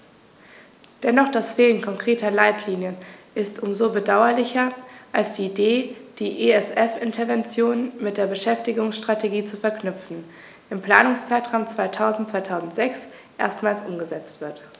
Doch das Fehlen konkreter Leitlinien ist um so bedauerlicher, als die Idee, die ESF-Interventionen mit der Beschäftigungsstrategie zu verknüpfen, im Planungszeitraum 2000-2006 erstmals umgesetzt wird.